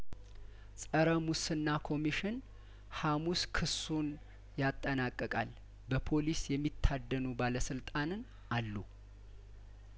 ጸረ ሙስና ኮሚሽን ሀሙስ ክሱን ያጠናቅቃል በፖሊስ የሚታደኑ ባለስልጣንን አሉ